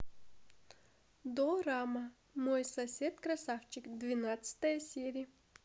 дорама мой сосед красавчик двенадцатая серия